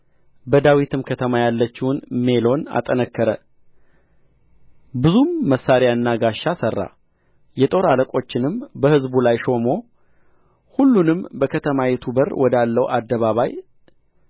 በዳዊትም ከተማ ያለችውን ሚሎን አጠነከረ ብዙም መሣሪያና ጋሻ ሠራ የጦር አለቆቹንም በሕዝቡ ላይ ሾሞ ሁሉንም በከተማይቱ በር ወዳለው አደባባይ